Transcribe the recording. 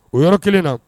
O yɔrɔ kelen na